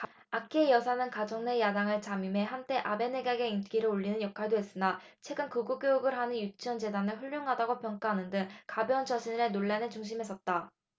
아키에 여사는 가정 내 야당을 자임해 한때 아베 내각의 인기를 올리는 역할도 했으나 최근 극우교육을 하는 유치원재단을 훌륭하다고 평가하는 등 가벼운 처신을 해 논란의 중심에 섰다